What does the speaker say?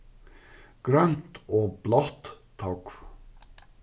grønt og blátt tógv